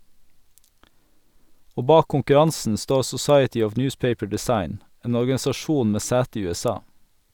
Og bak konkurransen står Society of Newspaper Design, en organisasjon med sete i USA.